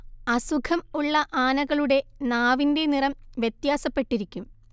അസുഖം ഉള്ള ആനകളുടെ നാവിന്റെ നിറം വ്യത്യാസപ്പെട്ടിരിക്കും